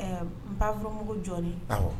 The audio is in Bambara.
N bafmmɔgɔw jɔ